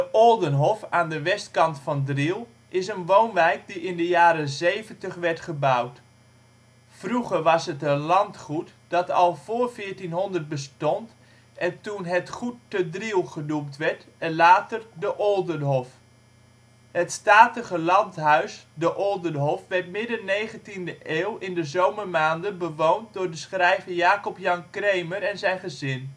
Oldenhof, aan de westkant van Driel, is een woonwijk die in de jaren zeventig werd gebouwd. Vroeger was het een landgoed dat al voor 1400 bestond en toen ' het goet te Driel ' genoemd werd en later ' de Oldenhof '. Het statige landhuis de Oldenhof werd midden 19e eeuw in de zomermaanden bewoond door de schrijver Jacob Jan Cremer en zijn gezin